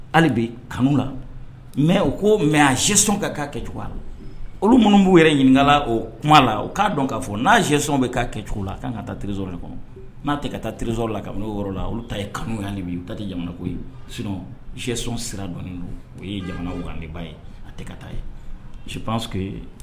Hali bɛ kanu la mɛ u ko mɛ a si ka ka kɛcogo a la olu minnu b'u yɛrɛ ɲininka o kuma la o k'a dɔn'a n'a sɛsɔn bɛ ka kɛcogo la a ka kan ka taa teriso de kɔnɔ n'a tɛ ka taa teriso la ka' o yɔrɔ la olu ta kanuli taa jamanako ye sison sira dɔn don o ye jamana wliba ye a tɛ ka taa ye si